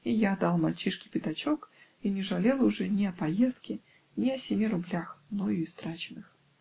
И я дал мальчишке пятачок и не жалел уже ни о поездке, ни о семи рублях, мною истраченных.